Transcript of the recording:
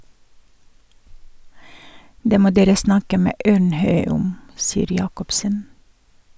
Det må dere snakke med Ørnhøi om, sier Jakobsen.